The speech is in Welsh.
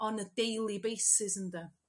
on a daily basis ynde?